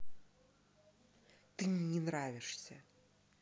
ты мне не нравишься